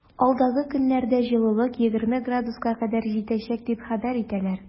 Алдагы көннәрдә җылылык 20 градуска кадәр җитәчәк дип хәбәр итәләр.